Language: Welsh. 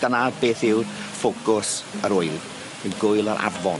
Dyna beth yw'r ffocws yr ŵyl yw gŵyl yr afon.